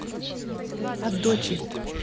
от дочи